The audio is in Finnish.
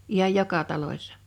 ihan joka talossa